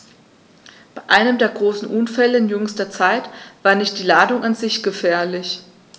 Bei einem der großen Unfälle in jüngster Zeit war nicht die Ladung an sich gefährlich.